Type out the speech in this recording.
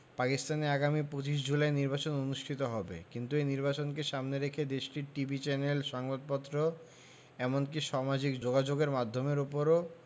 পাকিস্তানে আগামী ২৫ জুলাই নির্বাচন অনুষ্ঠিত হবে কিন্তু এই নির্বাচনকে সামনে রেখে দেশটির টিভি চ্যানেল সংবাদপত্র এমনকি সামাজিক যোগাযোগের মাধ্যমের উপরেও